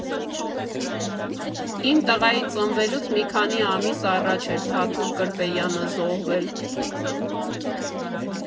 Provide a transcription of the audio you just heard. Իմ տղայի ծնվելուց մի քանի ամիս առաջ էր Թաթուլ Կրպեյանը զոհվել.